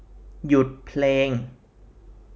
หยุดเพลง